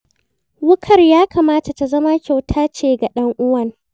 Wuƙar ya kamata ta zama kyauta ce ga ɗan'uwan.